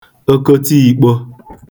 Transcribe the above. okotiọ̄kpọ̄